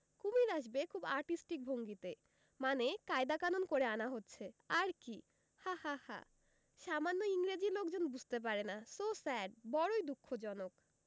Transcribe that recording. কুমীর আসবে খুব আর্টিস্টিক ভঙ্গিতে মানে কায়দা কানুন করে আনা হচ্ছে আর কি হা হা হা সামান্য ইংরেজী লোকজন বুঝতে পারে না সো সেড. বড়ই দুঃখজনক